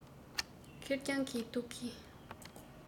ཁེར རྐྱང གི སྡུག གིས